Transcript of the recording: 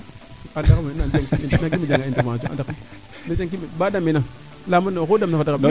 anda xamo oxa na nangimo janag interevention a anda xam ba dameena leya ma nuune oxeu dameena fata rab daam